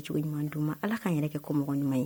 Cogo ɲuman d'i ma Ala kan yɛrɛ kɛ kɔmɔgɔ ɲuman ye